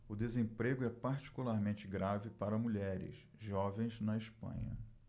o desemprego é particularmente grave para mulheres jovens na espanha